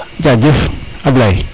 jajef Ablaye